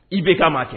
I bɛ ka ma kɛ